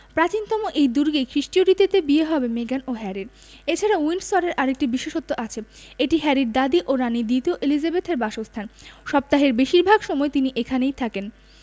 প্রাচীনতম এই দুর্গেই খ্রিষ্টীয় রীতিতে বিয়ে হবে মেগান ও হ্যারির এ ছাড়া উইন্ডসরের আরেকটি বিশেষত্ব আছে এটি হ্যারির দাদি ও রানি দ্বিতীয় এলিজাবেথের বাসস্থান সপ্তাহের বেশির ভাগ সময় তিনি এখানেই থাকেন